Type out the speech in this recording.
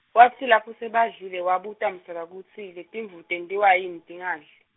kwatsi lapho sebadlile wabuta Msolwa kutsi letimvu tentiwa yini tingadli?